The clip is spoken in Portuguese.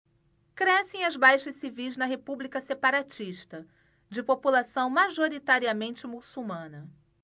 crescem as baixas civis na república separatista de população majoritariamente muçulmana